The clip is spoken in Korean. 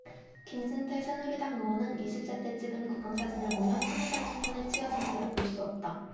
김진태 새누리당 의원은 이십 세 때 찍은 구강 사진을 보면 스무살 청년의 치아 상태로 볼 수 없다